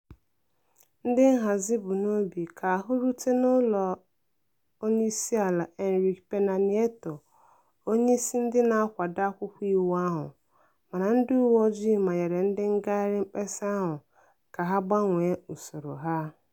Ndị nhazi bu n'obi ka ahụ rute n'ụlọ Onyeisiala Enrique Pena Nieto, onyeisi ndị na-akwado akwụkwọ iwu ahụ, mana ndị uweojii manyere ndị ngagharị mkpesa ahụ ka ha gbanwee usoro ha.